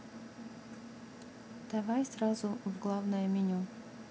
давай сразу в главное меню